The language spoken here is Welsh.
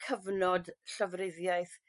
cyfnod llofruddiaeth